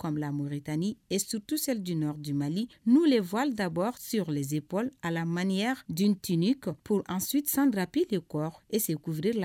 Bila morire tanani e sutusɛddima n'u de v dabɔ siyɔrɔepoli amaniyadtini ka pur suti7ppe de kɔ eseeure la